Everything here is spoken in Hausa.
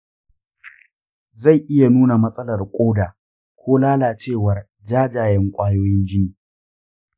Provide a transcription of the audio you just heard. zai iya nuna matsalar ƙoda ko lalacewar jajayen ƙwayoyin jini.